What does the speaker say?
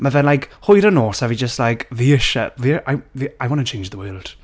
Mae fe'n like hwyr yn nos, a fi jyst like, fi isie fi, I, fi... I wanna change the world.